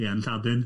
Ie, yn Lladin.